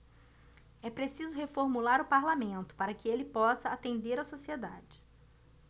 é preciso reformular o parlamento para que ele possa atender a sociedade